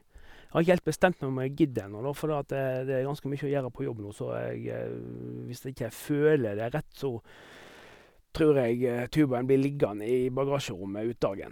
Har ikke helt bestemt meg om jeg gidder ennå, da, fordi at det er ganske mye å gjøre på jobb nå, så jeg hvis ikke jeg føler det er rett, så tror jeg tubaen blir liggende i bagasjerommet ut dagen.